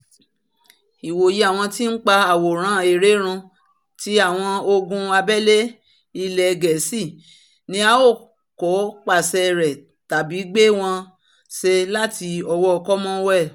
Ìwòye àwọn tí ńpa àwòrán èère run ti àwọn ogun abẹ́lé ilẹ̀ Gẹ̀ẹ́sì ni a kò pàṣẹ rẹ̀ tàbí gbé wọn ṣe láti ọwọ́ Cromwell.